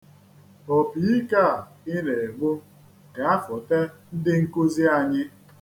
Opiike a ị na-egbu ga-afụte ndị nkuzi anyị.